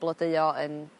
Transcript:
blodeuo yn